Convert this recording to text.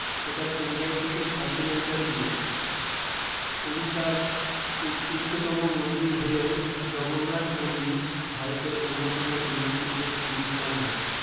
এটা চেন্নাই থেকে ছয় কিলোমিটার দূরে উড়িষ্যার উচ্চতম মন্দির হলেও জগন্নাথ মন্দির ভারতের অন্যতম উল্লেখযোগ্য স্মৃতিস্তম্ভ